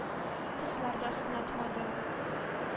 Кызлар да сынатмады,